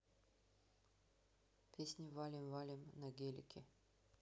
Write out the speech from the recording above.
песня валим валим на гелике